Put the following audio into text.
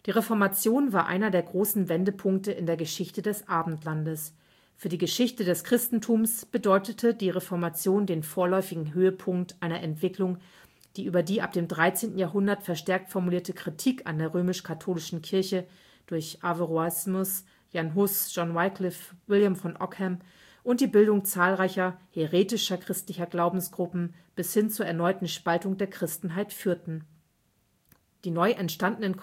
Reformation war einer der großen Wendepunkte in der Geschichte des Abendlandes. Für die Geschichte des Christentums bedeutete die Reformation den vorläufigen Höhepunkt einer Entwicklung, die über die ab dem 13. Jahrhundert verstärkt formulierte Kritik an der römisch-katholischen Kirche (Averroismus, Jan Hus, John Wyclif, Wilhelm von Ockham) und die Bildung zahlreicher „ häretischer “christlicher Glaubensgruppen bis hin zur erneuten Spaltung der Christenheit führten. Die neu entstandenen